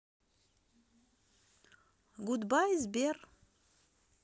goodbye сбер